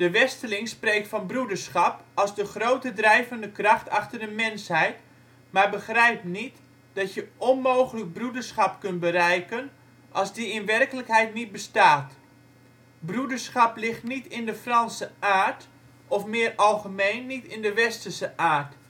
westerling spreekt van broederschap als de grote drijvende kracht achter de mensheid, maar begrijpt niet dat je onmogelijk broederschap kunt bereiken als die in werkelijkheid niet bestaat... Broederschap ligt niet in de Franse aard, of meer algemeen, niet in de westerse aard